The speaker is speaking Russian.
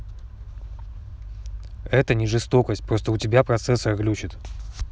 это не жестокость просто у тебя процессор глючит